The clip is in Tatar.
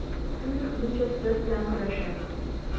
Кемдер үзенчә стресс белән көрәшә.